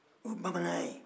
o ye bamananya ye